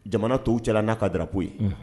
Jamana tɔw cɛla n'a ka dabu ye